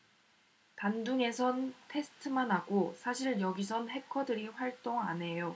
단둥에선 테스트만 하고 사실 여기선 해커들이 활동 안 해요